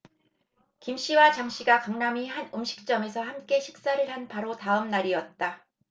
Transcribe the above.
김 씨와 장 씨가 강남의 한 음식점에서 함께 식사를 한 바로 다음 날이었다